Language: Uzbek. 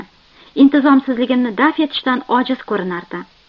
intizomsizligimni daf etishdan ojiz ko'rinardi